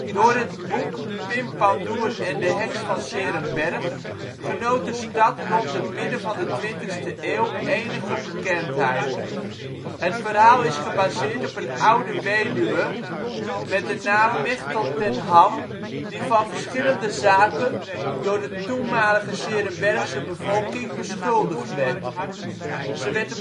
Door het boek Pim Pandoer en de heks van ' s-Heerenberg genoot de stad rond het midden van de 20e eeuw enige bekendheid. Het verhaal is gebaseerd op een oude weduwe met de naam Mechteld ten Ham die van verschillende zaken door de toenmalige ' s-Heerenbergse bevolking beschuldigd werd. Ze werd